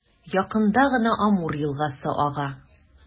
Якында гына Амур елгасы ага.